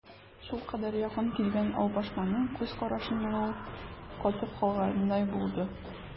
Шулкадәр якын килгән алпамшаның күз карашыннан ул катып калгандай булды.